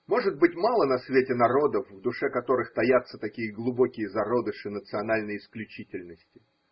Может быть, мало на свете народов, в душе которых таятся такие глубокие зародыши национальной исключительности.